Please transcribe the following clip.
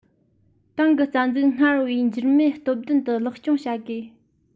ཏང གི རྩ འཛུགས སྔར བས འགྱུར མེད སྟོབས ལྡན དུ ལེགས སྐྱོང བྱ དགོས